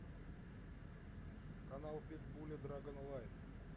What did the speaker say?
канал питбуля драгон лайф